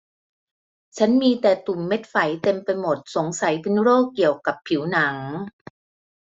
ฉันมีแต่ตุ่มเม็ดไฝเต็มไปหมดสงสัยเป็นโรคเกี่ยวกับผิวหนัง